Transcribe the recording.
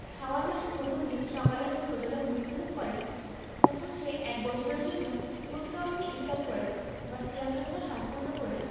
শাওয়াল মাসের প্রথম দিন সকালে যখন রোজাদার মিষ্টিমুখ করে তখন সে এক বছরের জন্য প্রকৃত অর্থে ইফতার করে বা সিয়াম সাধনা সম্পূর্ণ করে